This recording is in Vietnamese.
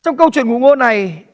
trong câu chuyện ngụ ngôn này